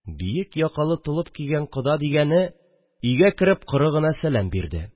Биек якалы толып кигән кода дигәне өйгә кереп коры гына сәләм бирде